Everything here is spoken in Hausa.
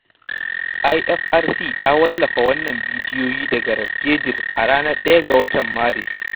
IFRC ta wallafa wannan bidiyon daga Ras Jdir a ranar 1 ga watan Maris.